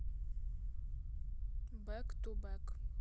back to back